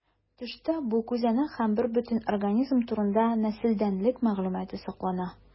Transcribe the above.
Төштә бу күзәнәк һәм бербөтен организм турында нәселдәнлек мәгълүматы саклана.